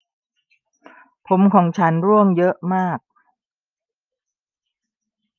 ผมของฉันร่วงเยอะมาก